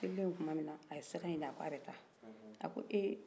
a tilalen tun mina a ye sira ɲin a k'a bɛ ta a ko eeeeh